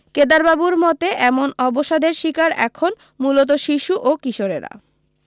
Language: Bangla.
কেদারবাবুর মতে এমন অবসাদের শিকার এখন মূলত শিশু ও কিশোররা